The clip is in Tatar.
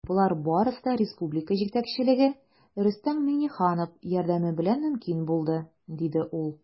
Болар барысы да республика җитәкчелеге, Рөстәм Миңнеханов, ярдәме белән мөмкин булды, - диде ул.